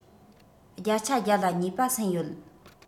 རྒྱ ཆ རྒྱ ལ ཉེ པ ཟིན ཡོད